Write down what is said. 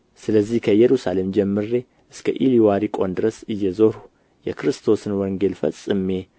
ስለዚህ ከኢየሩሳሌም ጀምሬ እስከ እልዋሪቆን ድረስ እየዞርሁ የክርስቶስን ወንጌል ፈጽሜ